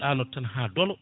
ɗanoto tan ha doola